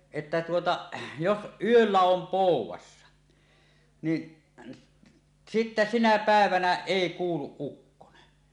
että tuota jos yöllä on poudassa niin sitten sinä päivänä ei kuulu ukkonen